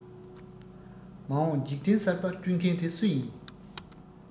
མ འོངས འཇིག རྟེན གསར བ བསྐྲུན མཁན དེ སུ ཡིན